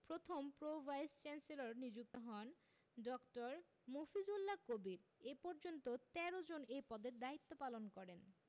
প্রথম pro vice chancellor নিযুক্ত হন ড. মফিজুল্লাহ কবির এ পর্যন্ত ১৩ জন এ পদে দায়িত্বপালন করেন